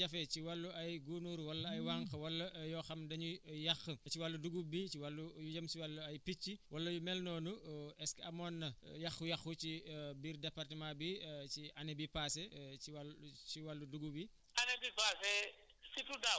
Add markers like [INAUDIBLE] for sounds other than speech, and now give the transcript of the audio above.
est ce que seetlu nga ne am na yeneen jafe-jafe ci wàllu ay gunóor wala ay [NOISE] wànq wala yoo xam dañuy yàq ci wàllu dugub bi si wàllu lu jëm si wàllu ay picc wala yu mel noonu [HESITATION] est ce que amoon na yàqu yàqu bu ci [HESITATION] biir département bi [HESITATION] si année bii paase [HESITATION] si wàllu si wàllu dugub yi